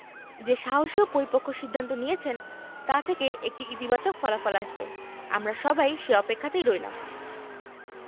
যে সাহসী ও পরিপক্ব সিদ্ধান্ত নিয়েছেন তা থেকে একটি ইতিবাচক ফলাফল আসবে আমরা সবাই সে অপেক্ষাতেই রইলাম